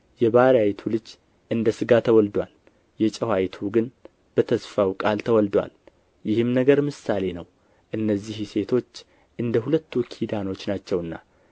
የባሪያይቱ ልጅ እንደ ሥጋ ተወልዶአል የጨዋይቱ ግን በተስፋው ቃል ተወልዶአል ይህም ነገር ምሳሌ ነው እነዚህ ሴቶች እንደ ሁለቱ ኪዳኖች ናቸውና